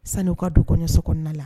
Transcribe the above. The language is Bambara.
Sanu u ka du kɔɲɔ so la